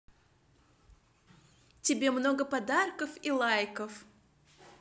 тебе много подарков и лайков